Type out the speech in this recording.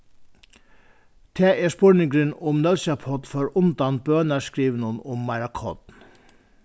tað er spurningurin um nólsoyar páll fór undan bønarskrivinum um meira korn